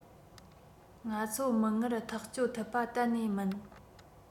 ང ཚོར མིག སྔར ཐག གཅོད ཐུབ པ གཏན ནས མིན